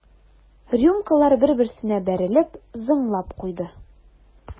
Рюмкалар бер-берсенә бәрелеп зыңлап куйды.